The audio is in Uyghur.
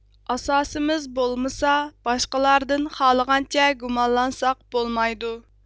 ئاساسىمىز بولمىسا باشقىلاردىن خالىغانچە گۇمانلانساق بولمايدۇ